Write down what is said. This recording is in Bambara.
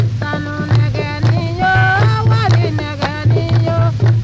sanunɛgɛnin yo warinɛgɛnin yo